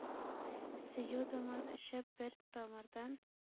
Сөю дымын эчеп бер тамырдан,